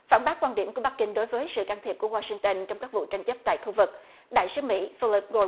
phản bác quan điểm của bắc kinh đối với sự can thiệp của goa sinh tơn trong các vụ tranh chấp tại khu vực đại sứ mỹ phơ lớp pô